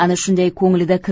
ana shunday ko'nglida kiri